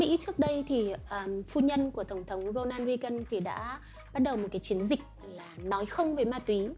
ở nước mỹ trước đây thì phu nhân tổng thống donald regan thì đã bắt đầu một chiến dịch đấy là nói không với ma túy